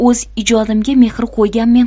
o'z ijodimga mehr qo'yganmen